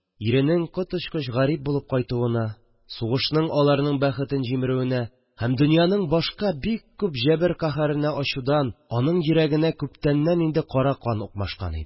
Иренең коточкыч гарип булып кайтуына, сугышның аларның бәхетен җимерүенә һәм дөньяның башка бик күп җәбер-каһәренә ачудан аның йөрәгенә күптәннән инде кара кан укмашкан иде